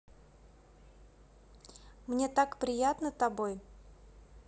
мне так приятна тобой